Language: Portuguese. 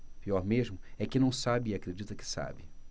pior mesmo é quem não sabe e acredita que sabe